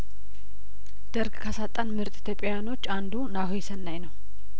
ደርግ ካሳጣንምርጥ ኢትዮጵያውያኖች አንዱ ናሆሰናይ ነው